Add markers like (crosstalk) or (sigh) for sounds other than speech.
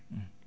(hesitation) (hesitation)